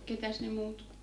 ketäs ne muut on